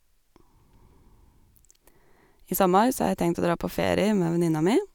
I sommer så har jeg tenkt å dra på ferie med venninna mi.